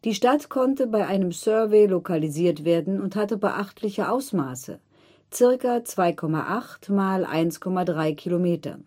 Stadt konnte bei einem Survey lokalisiert werden und hatte beachtliche Ausmaße (ca. 2,8 x 1,3 km